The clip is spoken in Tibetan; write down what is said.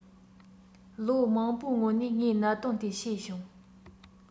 ལོ མང པོའི སྔོན ནས ངས གནད དོན དེ ཤེས བྱུང